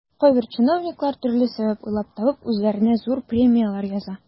Кайбер чиновниклар, төрле сәбәп уйлап табып, үзләренә зур премияләр яза.